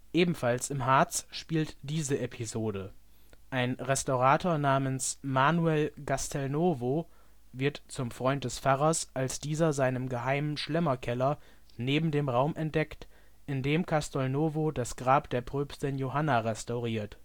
Ebenfalls im Harz spielt diese Episode. Ein Restaurator namens Manuel Castelnuovo wird zum Freund des Pfarrers, als dieser seinen geheimen Schlemmerkeller neben dem Raum entdeckt, in dem Castelnuovo das Grab der Pröpstin Johanna restauriert